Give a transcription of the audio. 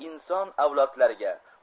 inson avlodlariga